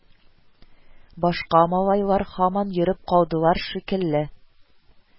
Башка малайлар һаман йөреп калдылар шикелле